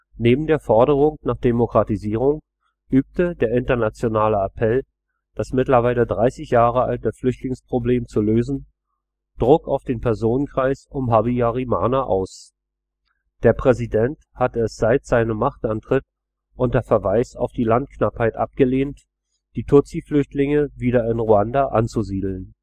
Neben der Forderung nach Demokratisierung übte der internationale Appell, das mittlerweile 30 Jahre alte Flüchtlingsproblem zu lösen, Druck auf den Personenkreis um Habyarimana aus. Der Präsident hatte es seit seinem Machtantritt unter Verweis auf die Landknappheit abgelehnt, die Tutsi-Flüchtlinge wieder in Ruanda anzusiedeln